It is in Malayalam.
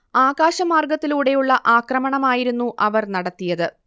ആകാശമാർഗ്ഗത്തിലൂടെയുള്ള ആക്രമണമായിരുന്നു അവർ നടത്തിയത്